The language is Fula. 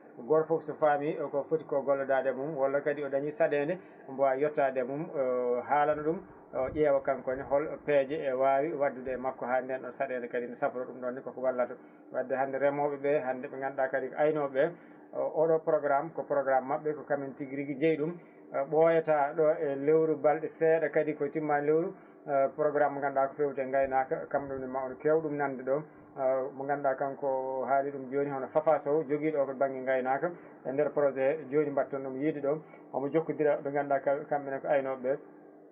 goto foof so faami ko footi ko gollodade e mum walla kadi o dañi saɗede omo wawi yettade e mum o halana ɗum o ƴeewa kankone hol peeje wawi waddude makko ha nden ɗon saɗed kadi safra ɗum ɗon ne koko wallata wadde hande remoɓe hande ɓe ganda kadi aynoɓe o oɗo programme ko programme mabɓe ko kañumen tigui rigui jeeyɗum ɓoyata ɗo e lewru balɗe seeɗa kadi ko timmani lewru programme mo ganduɗa fewde gaynaka kamɓene ma won kew ɗum namde ɗo mo ganduɗa kanko haali ɗum joni hono Papa Sow joguiɗo o to banggue gaynaka e nder projet he joni mbatton ɗum yiide ɗo omo jokkodira ɓe ganduɗa kamɓene ko aynoɓe